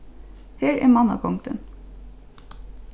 her er mannagongdin